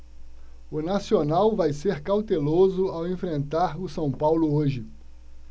o nacional vai ser cauteloso ao enfrentar o são paulo hoje